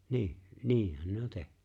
niin niinhän ne on tehnyt